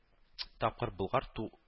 Тапкыр болгар – ту